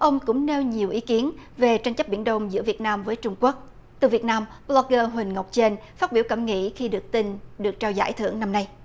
ông cũng nêu nhiều ý kiến về tranh chấp biển đông giữa việt nam với trung quốc từ việt nam bờ lốc gơ huỳnh ngọc chênh phát biểu cảm nghĩ khi được tin được trao giải thưởng năm nay